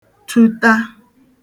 tuta